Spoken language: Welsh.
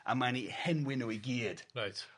A mae'n 'u henwi nw i gyd. Reit.